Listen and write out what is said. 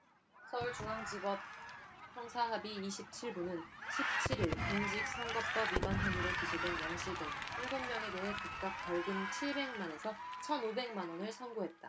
서울중앙지법 형사합의 이십 칠 부는 십 칠 일 공직선거법 위반 혐의로 기소된 양씨 등 일곱 명에 대해 각각 벌금 칠백 만 에서 천 오백 만원을 선고했다